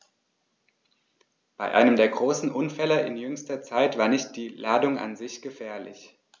Bei einem der großen Unfälle in jüngster Zeit war nicht die Ladung an sich gefährlich.